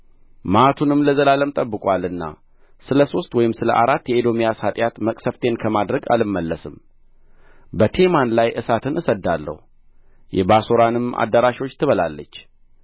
መዓቱንም ለዘላለም ጠብቆአልና ስለ ሦስት ወይም ስለ አራት የኤዶምያስ ኃጢአት መቅሠፍቴን ከማድረግ አልመለስም በቴማን ላይ እሳትን እሰድዳለሁ የባሶራንም አዳራሾች ትበላለች